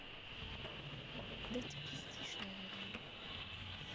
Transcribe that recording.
да ты пиздишь наверное